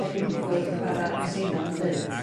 arbenigwr yn chwara' ma' Seimon yn d'eud